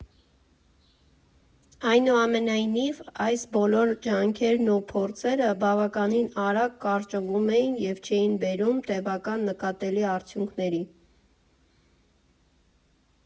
Այնուամենայնիվ, այս բոլոր ջանքերն ու փորձերը բավականին արագ կարճվում էին և չէին բերում տևական նկատելի արդյունքների։